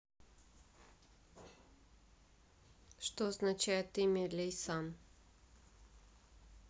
что означает имя лейсан